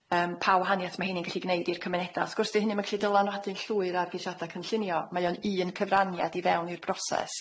Yym pa wahaniaeth ma' 'heini'n gallu gneud i'r cymuneda'. Wrth gwrs 'di hynny'm yn gallu dylanwadu'n llwyr ar geisiada' cynllunio, mae o'n un cyfraniad i fewn i'r broses.